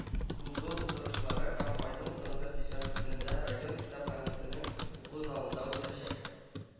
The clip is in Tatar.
Клубы утырышлары һәр айның соңгы чишәмбесендә район китапханәсенең уку залында үтәчәк